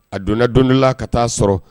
A donna dondɔla ka taaa sɔrɔ